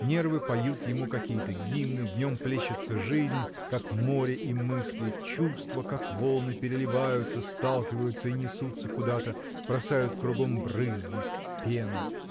Нервы поют ему какие-то гимны, в нем плещется жизнь, как море, и мысли, чувства, как волны, переливаются, сталкиваются и несутся куда-то, бросают кругом брызги, пену.